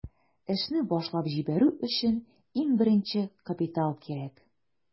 Эшне башлап җибәрү өчен иң беренче капитал кирәк.